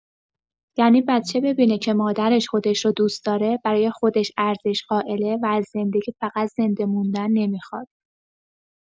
یعنی بچه ببینه که مادرش خودش رو دوست داره، برای خودش ارزش قائله و از زندگی فقط زنده موندن نمی‌خواد.